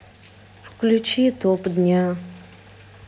включи топ дня